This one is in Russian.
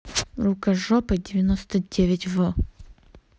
рукожопы девяносто девять в